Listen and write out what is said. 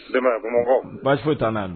Adama ko baasi' n